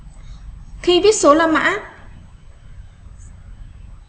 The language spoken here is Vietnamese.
khi viết số la mã